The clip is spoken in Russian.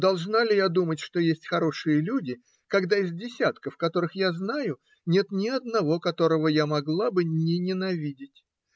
Должна ли я думать, что есть хорошие люди, когда из десятков, которых я знаю, нет ни одного, которого я могла бы не ненавидеть?